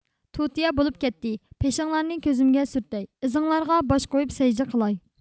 تۇتىيا بولۇپ كەتتى پېشىڭلارنى كۆزۈمگە سۈرتەي ئىزىڭلارغا باش قويۇپ سەجدە قىلاي